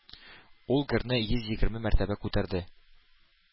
Ул герне йөз егерме мәртәбә күтәрде